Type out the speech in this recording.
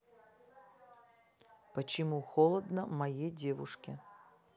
почему холодно моей девушке